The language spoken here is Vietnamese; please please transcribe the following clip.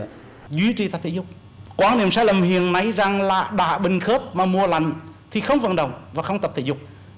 duy trì tập thể dục quan niệm sai lầm hiện nay rằng là đã bệnh khớp mà mùa lạnh thì không vận động và không tập thể dục